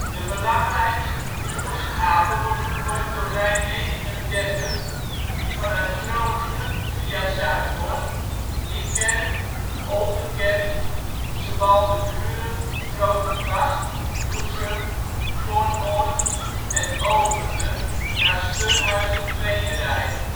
De belangrijkste vervoersader wordt gevormd door lijn 39 die vanuit Groningen via Zuidhorn, Niekerk, Oldekerk, Sebaldeburen, Grootegast, Doezum, Kornhorn en Opende naar Surhuisterveen rijdt